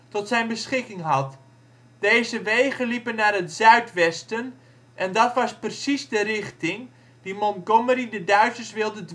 tot zijn beschikking had. Deze wegen liepen naar het zuidwesten en dat was precies de richting die Montgomery de Duitsers wilde